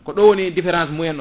ko woni différence mumen o